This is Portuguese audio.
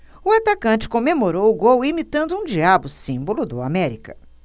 o atacante comemorou o gol imitando um diabo símbolo do américa